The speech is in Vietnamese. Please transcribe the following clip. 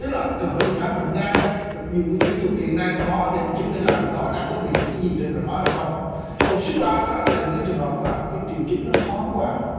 tức là cần phải đi khám bệnh ngay thật nhiều nguy cơ thực hiện nay có để minh chứng minh là người đó đang có bị gì trong mạch máu hay không tổng số ba đó là những trường hợp mà các triệu chứng thoáng qua